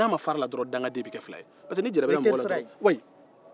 n'a ma fara a la dɔrɔn daganden bɛ kɛ fila ye